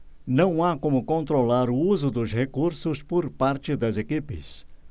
não há como controlar o uso dos recursos por parte das equipes